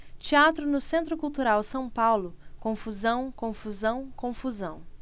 teatro no centro cultural são paulo confusão confusão confusão